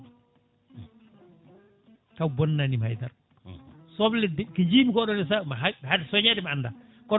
taw bonnananimi haydara soble ke jiimi ko ɗon ne saama hay haade soñede mi anda